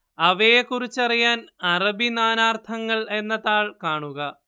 അവയെക്കുറിച്ചറിയാൻ അറബി നാനാർത്ഥങ്ങൾ എന്ന താൾ കാണുക